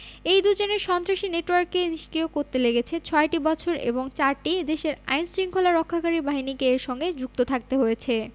এই দুজনের সন্ত্রাসী নেটওয়ার্ককে নিষ্ক্রিয় করতে লেগেছে ছয়টি বছর এবং চারটি দেশের আইনশৃঙ্খলা রক্ষাকারী বাহিনীকে এর সঙ্গে যুক্ত থাকতে হয়েছে